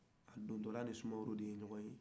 a dontɔla ni sumaworo de ye ɲɔgɔn